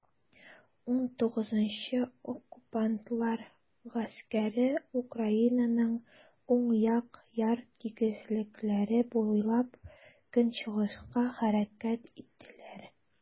XIX Оккупантлар гаскәре Украинаның уң як яр тигезлекләре буйлап көнчыгышка хәрәкәт иттеләр.